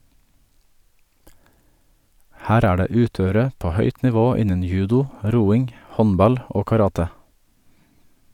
- Her er det utøvere på høyt nivå innen judo, roing, håndball og karate.